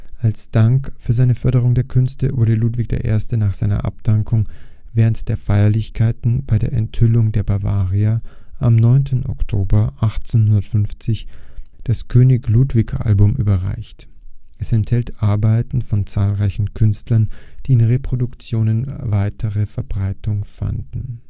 Als Dank für seine Förderung der Künste wurde Ludwig I. nach seiner Abdankung während der Feierlichkeiten bei der Enthüllung der Bavaria am 9. Oktober 1850 das König-Ludwig-Album überreicht. Es enthält Arbeiten von zahlreichen Künstlern, die in Reproduktionen weite Verbreitung fanden